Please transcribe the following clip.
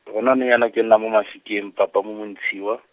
go na ja jaana ke nna mo Mafikeng papa mo Montshiwa.